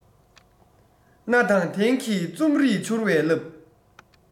གནའ དང དེང གི རྩོམ རིག འཕྱུར བའི རླབས